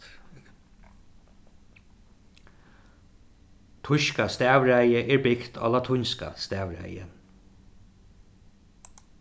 týska stavraðið er bygt á latínska stavraðið